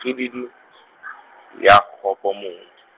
kgididi , ya kgopo motho.